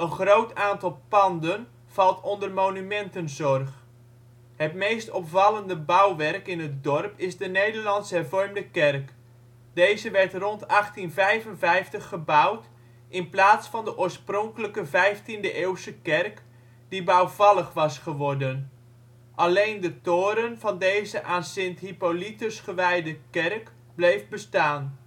groot aantal panden valt onder monumentenzorg. Het meest opvallende bouwwerk in het dorp is de Nederlands-Hervormde kerk. Deze werd rond 1855 gebouwd, in plaats van de oorspronkelijke vijftiende-eeuwse kerk, die bouwvallig was geworden. Alleen de toren van deze aan Sint Hippolytus gewijde kerk bleef bestaan